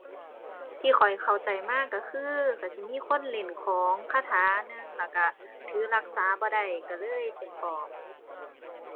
ที่ข้อยเข้าใจมาก็คือก็สิมีคนเล่นของคาถาหนึ่งแล้วก็ถือรักษาบ่ได้ก็เลยเป็นปอบ